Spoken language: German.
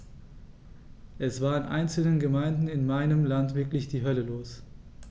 Es war in einzelnen Gemeinden in meinem Land wirklich die Hölle los.